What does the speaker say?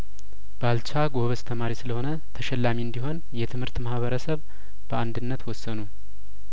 ባልቻ ጐበዝ ተማሪ ስለሆነ ተሸላሚ እንዲሆን የትምህርት ማህበረሰብ በአንድነት ወሰኑ